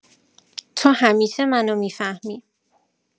تو همیشه منو می‌فهمی